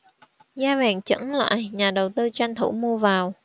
giá vàng chững lại nhà đầu tư tranh thủ mua vào